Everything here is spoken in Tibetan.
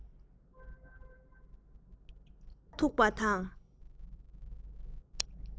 བག ཆགས འཐུག པ དང